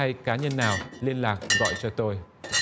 hay cá nhân nào liên lạc gọi cho tôi